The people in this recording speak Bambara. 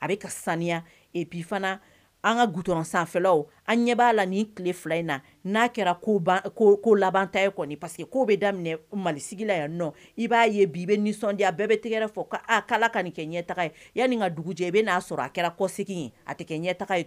A bɛ sanuya bi fana an ka gt sanfɛlaw an ɲɛ b'a la ni tile fila in na n'a kɛra laban ta pa que ko bɛ daminɛ malisigi la yan nɔ i b'a ye bi bɛ nisɔndiya bɛɛ bɛ tigɛɛrɛ fɔ'' ka nin kɛ ɲɛ ye yan nin ka dugujɛ i bɛ'a sɔrɔ a kɛra kɔsigi ye a tɛ kɛ ɲɛ ye